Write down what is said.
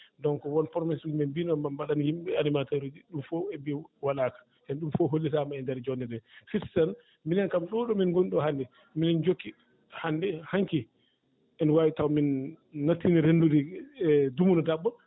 donc woon promesse uji ɓe mbino maa ɓe mbaɗan yimɓe ɓee animateur uuji ɗi ɗum fof ɓe mbiyi waɗaaka te ɗum fof hollitaama e ndeer jooɗnde ndee firti tan minen kam ɗo ɗo min ngoni ɗoo hannde minen njokki hannde hanki ene waawi taw min nattiino renndude e dumunna daɓɓo